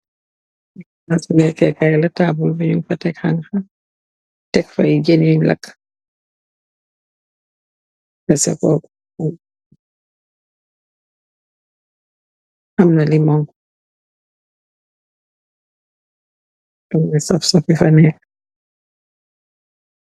Plaasii lehkeh kai la, taabul bii njung fa tek hanha, tek fa aiiy jeun yungh lakue, amna lemon, amna sauce cii sobleh bufa neka.